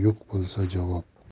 yo'q bo'lsa javob